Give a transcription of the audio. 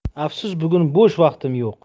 afsus bugun bo'sh vaqtim yo'q